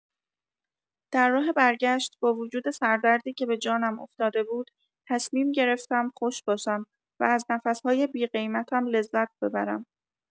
در راه برگشت با وجود سر دردی که به جانم افتاده بود تصمیم گرفتم خوش باشم و از نفس‌های بی قیمتم لذت ببرم.